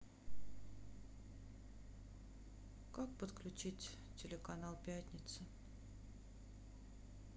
как подключить телеканал пятница